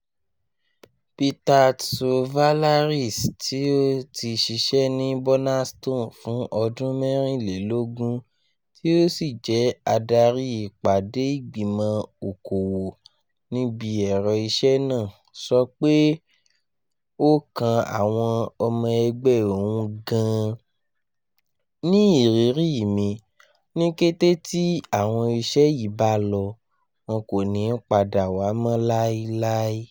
Peter Tsouvallaris, tí ó ti ṣiṣẹ́ ní Burnaston fún ọdún 24 tí ó sì jẹ́ adárí ìpàdé ìgbìmọ̀ òkòwò níibi ẹ̀rọ iṣẹ́ náà, sọ pé ó kàn àwọn ọmọ ẹgbẹ́ òun gan an: "Ní ìrírí mi, ní kété tí àwọn iṣẹ́ yìí bá lọ, wọ̀n kó ní padà wá mọ́ láeláee.